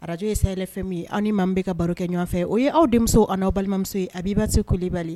Araj ye se yɛrɛ fɛn ye anw maa bɛ ka baro kɛ ɲɔgɔn fɛ o ye aw denmusomi ani' aw balimamuso ye a b'i baa se kolibali